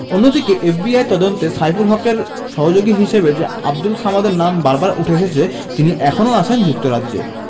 অন্যদিকে এফবিআইয়ের তদন্তে সাইফুল হকের সহযোগী হিসেবে যে আবদুল সামাদের নাম বারবার উঠে এসেছে তিনি এখনো আছেন যুক্তরাজ্যে